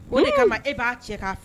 O de kama e b'a cɛ' fɛ